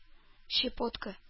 Щепотка